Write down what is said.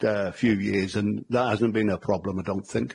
G- err few years, and that hasn't been a problem I don't think.